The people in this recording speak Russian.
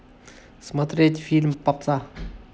смотреть фильм попса